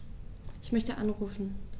Ich möchte anrufen.